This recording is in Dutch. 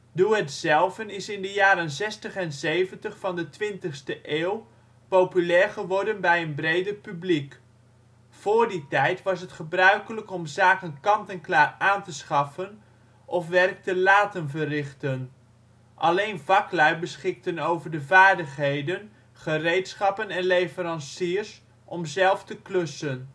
Doe-het-zelven is in de jaren zestig en zeventig van de 20e eeuw populair geworden bij een breder publiek. Voor die tijd was het gebruikelijk om zaken kant-en-klaar aan te schaffen of werk te laten verrichten. Alleen vaklui beschikten over de vaardigheden, gereedschappen en leveranciers om zelf te klussen